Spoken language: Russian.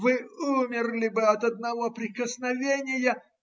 Вы умерли бы от одного прикосновения.